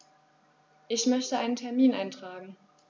Ich möchte einen Termin eintragen.